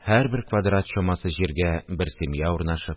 Һәрбер квадрат чамасы җиргә бер семья урнашып